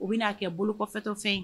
U bɛa kɛ bolofɛtɔfɛn